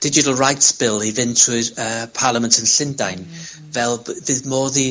Digital Rights Bill i fynd trwy'r yy yn Llundain, fel by- fydd modd i